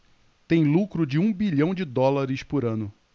tem lucro de um bilhão de dólares por ano